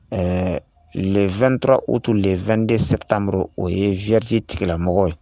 Ɛɛ le2 dɔrɔn utu 2 de sɛ tanmuru o ye viti tigilamɔgɔ ye